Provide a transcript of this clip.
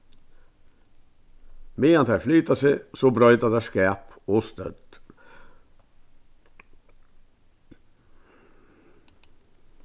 meðan tær flyta seg so broyta tær skap og stødd